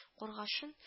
Кургашын